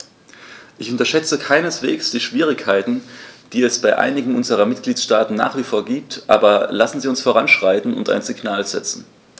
Ich unterschätze keineswegs die Schwierigkeiten, die es bei einigen unserer Mitgliedstaaten nach wie vor gibt, aber lassen Sie uns voranschreiten und ein Signal setzen.